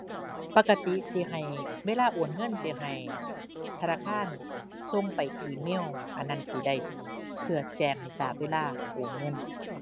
ปกติสิให้ เวลาโอนเงินสิให้ธนาคารส่งไปอีเมล อันนั้นสิได้เพื่อแจ้งให้ทราบเวลาโอนเงิน